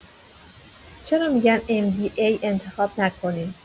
چرا می‌گن MBA انتخاب نکنیم؟